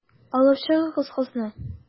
Алып чыгыгыз кызны.